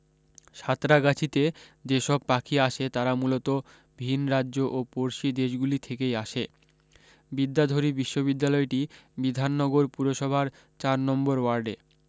সাঁতরাগাছিতে যে সব পাখি আসে তারা মূলত ভিন রাজ্য ও পড়শি দেশগুলি থেকেই আসে বিদ্যাধরী বিদ্যালয়টি বিধাননগর পুরসভার চার নম্বর ওয়ার্ডে